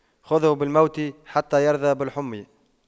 خُذْهُ بالموت حتى يرضى بالحُمَّى